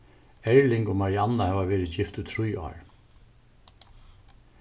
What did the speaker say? erling og marianna hava verið gift í trý ár